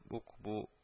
Ук бу